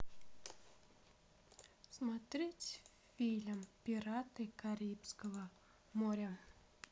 смотреть фильм пираты карибского моря